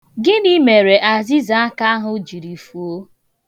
Gịnị mere azịzaaka ahụ jiri fuo?